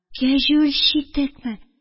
Кәҗүл читекме?